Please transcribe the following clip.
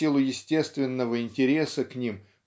в силу естественного интереса к ним